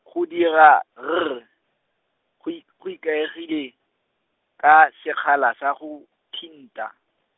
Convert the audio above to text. go dira R, go i-, go ikaegile, ka sekgala sa go, tinta.